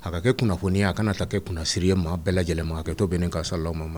A ka kɛ kunnafonioni a kana ta kɛ kunnasiri ye maa bɛɛ yɛlɛma ka to bɛnnen ka la ma